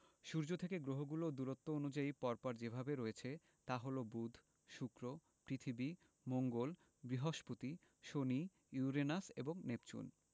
সূর্য থেকে গ্রহগুলো দূরত্ব অনুযায়ী পর পর যেভাবে রয়েছে তা হলো বুধ শুক্র পৃথিবী মঙ্গল বৃহস্পতি শনি ইউরেনাস এবং নেপচুন